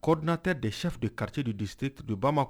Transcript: Coordinateur des chefs de quartier du district de Bamako